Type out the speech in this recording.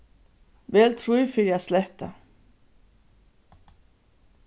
vel trý fyri at sletta